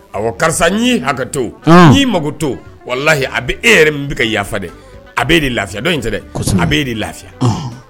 A karisa n a ka to mako to walahi a bɛ e yɛrɛ min bɛ ka yafa dɛ a bɛ de lafiya dɔ in dɛ a bɛ e de lafiya